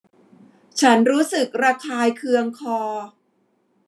ฉันรู้สึกระคายเคืองคอ